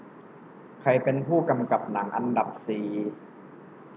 ใครเป็นผู้กำกับหนังอันดับสี่